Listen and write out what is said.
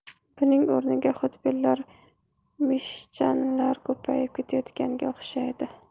buning o'rniga xudbinlar meshchanlar ko'payib ketayotganga o'xshaydi